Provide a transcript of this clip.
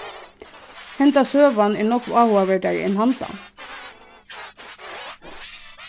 hendan søgan er nógv áhugaverdari enn handan